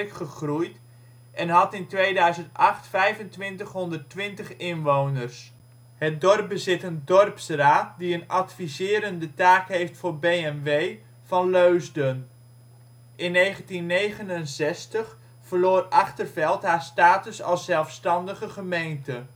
gegroeid en had in 2008 2.520 inwoners. Het dorp bezit een dorpsraad die een adviserende taak heeft voor B&W van Leusden. In 1969 verloor Achterveld haar status als zelfstandige gemeente